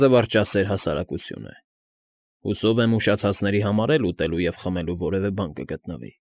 Զվարճասեր հասարակություն է։ Հուսով եմ, ուշացածների համար էլ ուտելու և խմելու որևէ բան կգտնվի։